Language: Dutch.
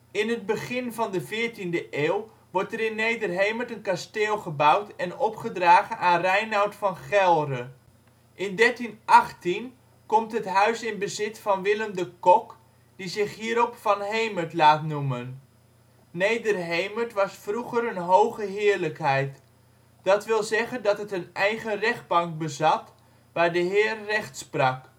In het begin van de 14e eeuw wordt er in Nederhemert een kasteel gebouwd en opgedragen aan Reinoud van Gelre. In 1318 komt het huis in bezit van Willem de Cock, die zich hierop Van Hemert laat noemen. Nederhemert was vroeger een hoge heerlijkheid. Dat wil zeggen dat het een eigen rechtbank bezat, waar de heer recht sprak